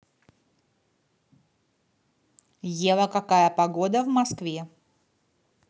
ева какая погода в москве